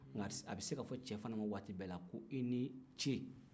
a bɛ se ka fɔ cɛ fana ma waati bɛ ko i ni ce